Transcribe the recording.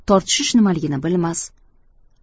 tortishish nimaligini bilmas